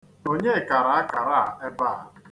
Onye kara akara a ebe a?